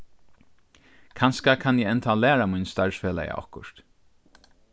kanska kann eg enntá læra mín starvsfelaga okkurt